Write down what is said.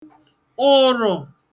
ụ̀rụ̀